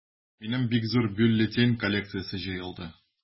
Минем бик зур бюллетень коллекциясе җыелды.